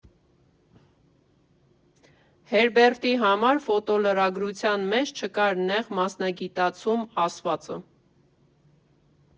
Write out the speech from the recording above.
Հերբերտի համար ֆոտոլրագրության մեջ չկար «նեղ մասնագիտացում» ասվածը։